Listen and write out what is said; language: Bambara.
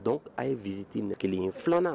Dɔn a ye viti na kelen filanan